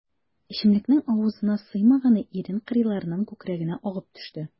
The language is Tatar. Эчемлекнең авызына сыймаганы ирен кырыйларыннан күкрәгенә агып төште.